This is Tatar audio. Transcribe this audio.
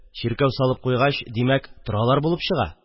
Чиркәү салып куйгач, димәк, торалар булып чыга.